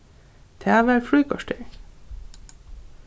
tað var fríkorter